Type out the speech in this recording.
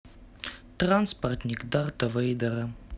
транспортник дарта вейдера